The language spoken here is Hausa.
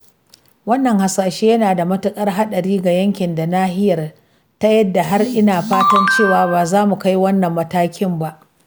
Wannan hasashe yana da matuƙar haɗari ga yankin da nahiyar, ta yadda har ina fatan cewa ba za mu kai wannan matakin ba.